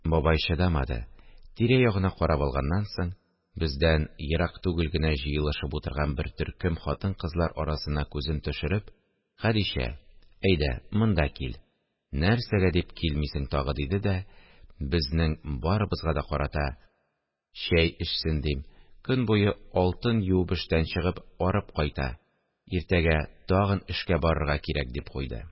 Бабай чыдамады, тирә-ягына карап алганнан соң, бездән ерак түгел генә җыелышып утырган бер төркем хатын-кызлар арасына күзен төшереп: – Хәдичә, әйдә, монда кил, нәрсәгә дип килмисең тагы? – диде дә, безнең барыбызга да карата: – Чәй эчсен, дим, көн буе алтын юып эштән чыгып, арып кайта. Иртәгә тагын эшкә барырга кирәк, – дип куйды